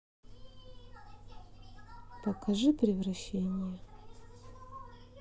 покажи превращение